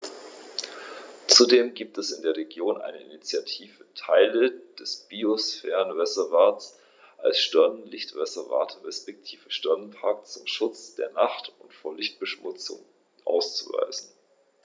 Zudem gibt es in der Region eine Initiative, Teile des Biosphärenreservats als Sternenlicht-Reservat respektive Sternenpark zum Schutz der Nacht und vor Lichtverschmutzung auszuweisen.